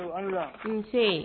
Nse